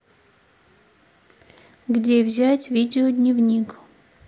где взять видеодневник